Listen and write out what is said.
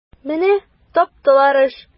Менә таптылар эш!